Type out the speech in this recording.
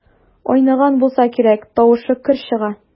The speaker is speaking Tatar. Айныган булса кирәк, тавышы көр чыга.